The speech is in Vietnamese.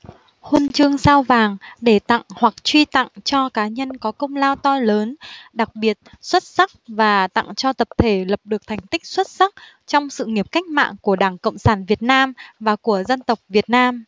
huân chương sao vàng để tặng hoặc truy tặng cho cá nhân có công lao to lớn đặc biệt xuất sắc và tặng cho tập thể lập được thành tích xuất sắc trong sự nghiệp cách mạng của đảng cộng sản việt nam và của dân tộc việt nam